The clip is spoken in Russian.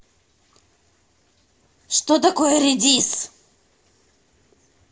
что такое редис